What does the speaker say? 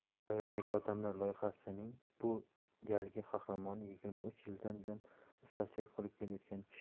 soyadagi odamlar loyihasining bu galgi qahramoni yigirma uch yildan buyon ustachilik qilib kelayotgan kishi